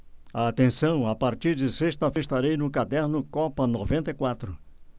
atenção a partir de sexta estarei no caderno copa noventa e quatro